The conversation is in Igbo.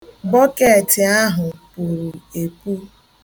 Bọkeetị ahụ puru epu.